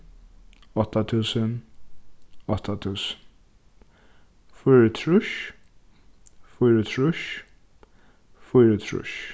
átta túsund átta túsund fýraogtrýss fýraogtrýss fýraogtrýss